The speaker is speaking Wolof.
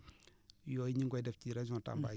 yooyu ñu ngi koy def ci région Tamba